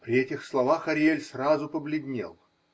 При этих словах Ариэль сразу побледнел.